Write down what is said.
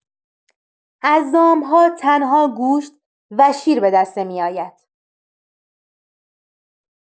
از دام‌ها تنها گوشت و شیر به دست نمی‌آید.